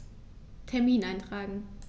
Termin eintragen